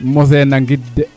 moso na ngid de